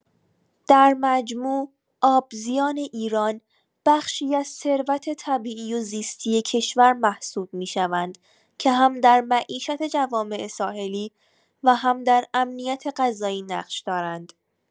در مجموع، آبزیان ایران بخشی از ثروت طبیعی و زیستی کشور محسوب می‌شوند که هم در معیشت جوامع ساحلی و هم در امنیت غذایی نقش دارند.